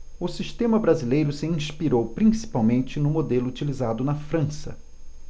o sistema brasileiro se inspirou principalmente no modelo utilizado na frança